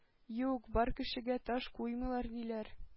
“юк-бар кешегә таш куймыйлар, – диләр,